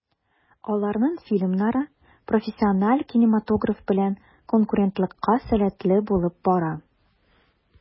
Аларның фильмнары профессиональ кинематограф белән конкурентлыкка сәләтле булып бара.